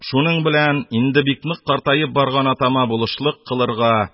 Шуның белән инде бик нык картаеп барган атама булышлык кылырга,